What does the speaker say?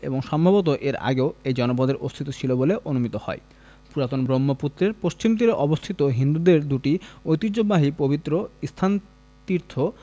এবং সম্ভবত এর আগেও এই জনপদের অস্তিত্ব ছিল বলে অনুমিত হয় পুরাতন ব্রহ্মপুত্রের পশ্চিম তীরে অবস্থিত হিন্দুদের দুটি ঐতিহ্যবাহী পবিত্র স্নানতীর্থ